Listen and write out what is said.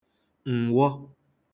m̀wọ